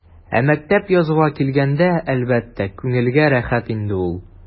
Ә мактап язуга килгәндә, әлбәттә, күңелгә рәхәт инде ул.